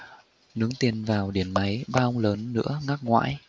nướng tiền vào điện máy ba ông lớn nữa ngắc ngoải